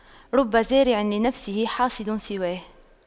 رب زارع لنفسه حاصد سواه